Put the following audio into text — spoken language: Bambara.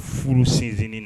Furu sen sennin na